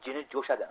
jini jo'shadi